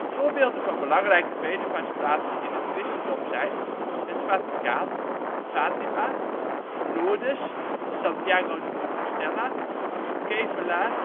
Voorbeelden van belangrijke bedevaartsplaatsen in het christendom zijn het Vaticaan, Fátima, Lourdes, Santiago de Compostela, Kevelaer